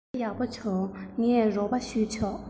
བྱས ན ཡག པོ བྱུང ངས རོགས པ བྱས ཆོག